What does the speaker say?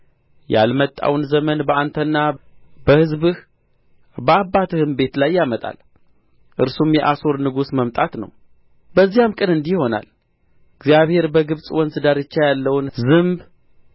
ያልመጣውን ዘመን በአንተና በሕዝብህ በአባትህም ቤት ላይ ያመጣል እርሱም የአሦር ንጉሥ መምጣት ነው በዚያም ቀን እንዲህ ይሆናል እግዚአብሔር በግብጽ ወንዝ ዳርቻ ያለውን ዝምብ